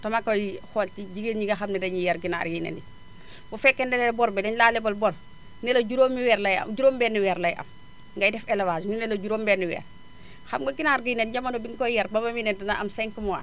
dama koy xool ci jigéen ñi nga xam ne dañuy yar ginaar yiy nen yi bu fekkente ne bor bi dañu laa lebal bor ne la juróomi weer lay am juróom benni weer lay am ngay def élévage ñu ne la juróom benni weer xam nga ginaar guy nen jamono bi nga koy yar ba ba muy nen dina am 5 mois